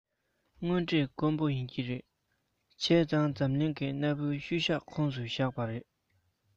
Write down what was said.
དངོས འབྲེལ དཀོན པོ ཡིན གྱི རེད བྱས ཙང འཛམ གླིང གི གནའ བོའི ཤུལ བཞག ཁོངས སུ བཞག པ རེད